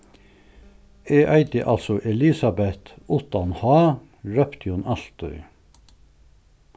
eg eiti altso elisabet uttan h rópti hon altíð